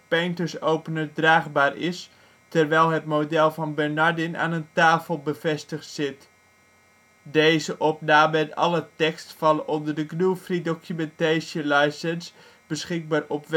Painters opener draagbaar is, terwijl het model van Bernardin aan een tafel bevestigd zit. Voor meer informatie over deze geschiedenis